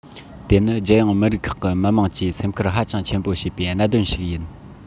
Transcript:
དེ ནི རྒྱལ ཡོངས མི རིགས ཁག གི མི དམངས ཀྱིས སེམས ཁུར ཧ ཅང ཆེན པོ བྱེད པའི གནད དོན ཞིག ཡིན